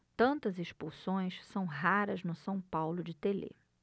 tantas expulsões são raras no são paulo de telê